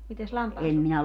mitenkäs -